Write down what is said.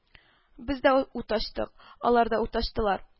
Без дә ут ачтык, алар да ут ачтылар